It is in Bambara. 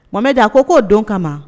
Komɛ da a ko k'o don kama